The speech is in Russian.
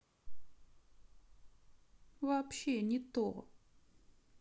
вообще не то